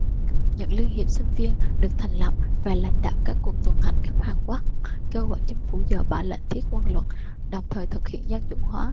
những liên hiệp sinh viên được thành lập và lãnh đạo các cuộc tuần hành khắp hàn quốc kêu gọi chính phủ dỡ bỏ lệnh thiết quân luật đồng thời thực hiện dân chủ hóa